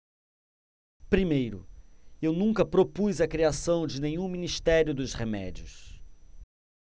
primeiro eu nunca propus a criação de nenhum ministério dos remédios